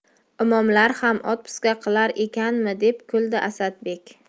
imomlar ham otpuska qilar ekanmi deb kuldi asadbek